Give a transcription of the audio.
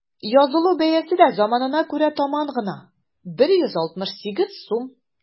Язылу бәясе дә заманына күрә таман гына: 168 сум.